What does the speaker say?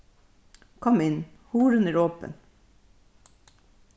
kom inn hurðin er opin